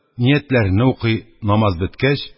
Ниятләрене укый, намаз беткәч,